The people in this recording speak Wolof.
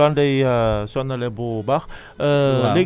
ngolaan day sonale bu baax